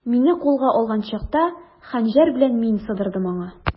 Мине кулга алган чакта, хәнҗәр белән мин сыдырдым аңа.